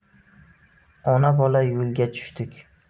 ona bola yo'lga tushdik